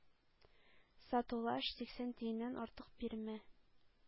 Сатулаш, сиксән тиеннән артык бирмә.